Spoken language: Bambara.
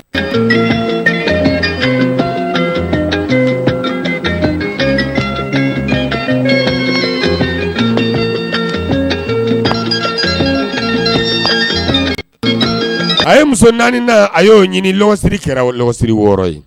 San a ye muso naani na a y'o ɲini siri kɛra siri wɔɔrɔ ye